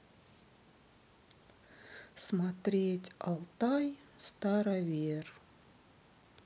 смотреть алтай старовер